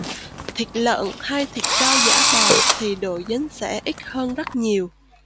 thịt lợn hay thịt trâu giả bò thì độ dính sẽ ít hơn rất nhiều